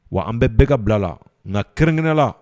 Wa an bɛ bɛ ka bila la nka kɛrɛnkɛnɛ la